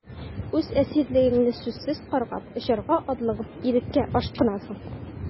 Үз әсирлегеңне сүзсез каргап, очарга атлыгып, иреккә ашкынасың...